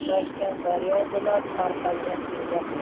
birlashgan daryo bo'lar tarqalgan irmoq bo'lar